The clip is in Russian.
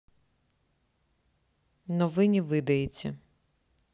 но вы не выдаете